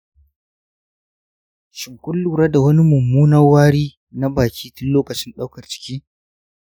shin kun lura da wani mummunar wari na baki tin lokacin ɗaukar ciki?